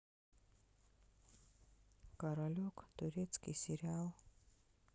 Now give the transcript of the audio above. королек турецкий сериал